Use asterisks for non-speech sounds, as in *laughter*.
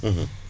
*hesitation* *hesitation*